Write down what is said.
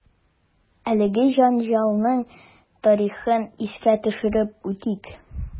Әлеге җәнҗалның тарихын искә төшереп үтик.